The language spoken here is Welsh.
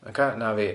Ocê na fi.